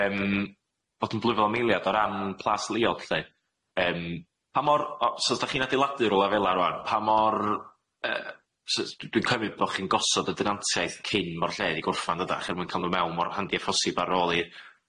Yym bod yn blwyddol am eiliad o ran Plas leol lly yym pa mor o so os dach chi'n adeiladu rwla fela rŵan pa mor yy so s- d- dwi'n cymyd bo' chi'n gosod y denantiaeth cyn ma'r lle di gorffan dydach er mwyn ca'l nw mewn mor handi a phosib ar ôl i